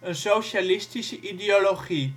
en socialistische ideologie